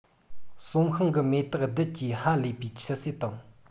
གསོམ ཤིང གི མེ ཏོག རྡུལ གྱི ཧ ལས པའི ཆུད ཟོས དང